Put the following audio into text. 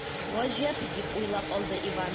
“гаҗәп”, дип уйлап алды иван.